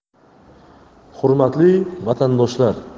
hurmatli vatandoshlar